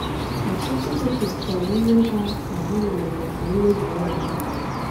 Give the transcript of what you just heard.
Ọtụtụ gosipụtara iwe ha ka ha nụrụ maka mmebi ụlọ ahụ.